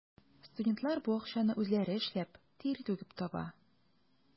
Студентлар бу акчаны үзләре эшләп, тир түгеп таба.